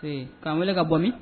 Ee k'an wele ka bɔ min